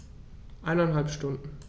Eineinhalb Stunden